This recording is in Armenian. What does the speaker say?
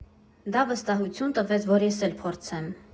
Դա վստահություն տվեց, որ ես էլ փորձեմ։